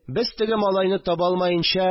Без, теге малайы таба алмаенча